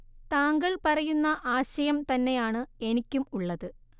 താങ്കൾ പറയുന്ന ആശയം തന്നെയാണ് എനിക്കും ഉള്ളത്